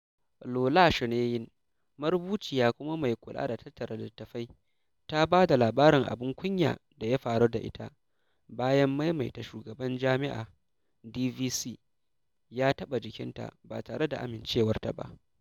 Lola Shoneyin marubuciya kuma mai kula da tattara litattafai ta ba da labarin "abin kunya" da ya faru da ita bayan da Mataimakin Shugaban Jami'a (DVC) ya taɓa jikinta ba tare da amincewarta ba.